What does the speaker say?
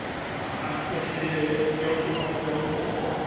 a- a- ac felly diolch i bobol fel fo